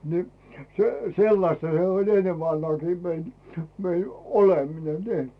niin se sellaista se oli ennen vanhaankin meidän meidän oleminen niin